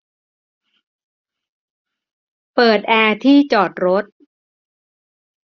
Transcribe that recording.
เปิดแอร์ที่จอดรถ